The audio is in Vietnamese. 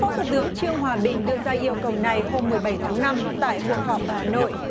phó thủ tướng trương hòa bình đưa ra yêu cầu này hôm mười bảy tháng năm tại cuộc họp ở hà nội